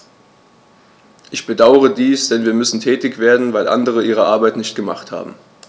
Ich bedauere dies, denn wir müssen tätig werden, weil andere ihre Arbeit nicht gemacht haben.